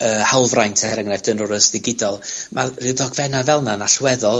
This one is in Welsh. yy hawlfraint oher enghraifft yn digidol, ma' ryw dogfenna' fel 'na'n allweddol